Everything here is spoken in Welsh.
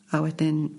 A wedyn